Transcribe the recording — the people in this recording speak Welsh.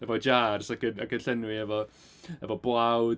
Efo jars ac yn ac yn llenwi efo efo blawd.